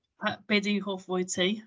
A be 'di hoff fwyd ti?